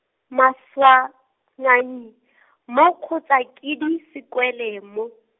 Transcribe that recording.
Maswanganyi , mo kgotsa Kedi Sekwele mo.